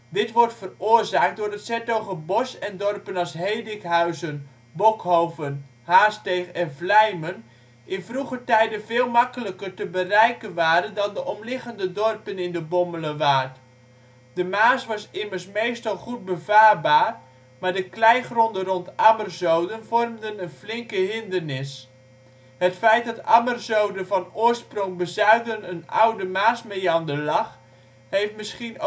Dit wordt veroorzaakt doordat ' s-Hertogenbosch en dorpen als Hedikhuizen, Bokhoven, Haarsteeg en Vlijmen in vroeger tijden veel makkelijker te bereiken waren dan de omliggende dorpen in de Bommelerwaard. De Maas was immers meestal goed bevaarbaar, maar de kleigronden rondom Ammerzoden vormden een flinke hindernis. Het feit dat Ammerzoden van oorsprong bezuiden een oude Maasmeander lag heeft misschien